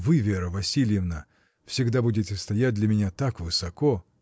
— Вы, Вера Васильевна, всегда будете стоять для меня так высоко.